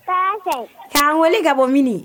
. K'an wele ka bɔ min i?